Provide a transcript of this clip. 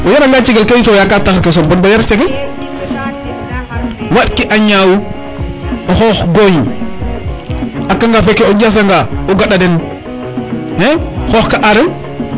o yara nga cegel kay to yakar taxar ke som bon bo yar cegel waand ki a ñaaw o xoox gooñ a qangafa ke o ƴasa nga o ganda den xoox ka arel